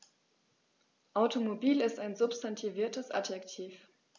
Automobil ist ein substantiviertes Adjektiv.